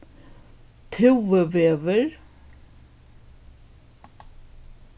túvuvegur